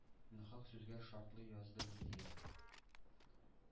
Нахак сүзгә шартлый язды Миндияр.